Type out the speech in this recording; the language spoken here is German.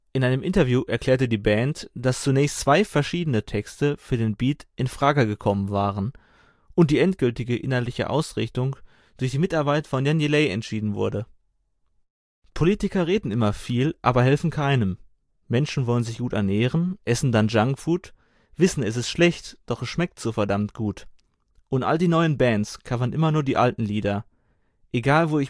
In einem Interview erklärte die Band, dass zunächst zwei verschiedene Texte für den Beat infrage gekommen waren und die endgültige inhaltliche Ausrichtung durch die Mitarbeit von Jan Delay entschieden wurde. „ Politiker reden immer viel aber helfen keinem. Menschen wollen sich gut ernähren – essen dann Junkfood, wissen es ist schlecht, doch es schmeckt so verdammt gut. Und all die neuen Bands covern immer nur die alten Lieder. Egal wo